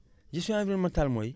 gezstion environnementale mooy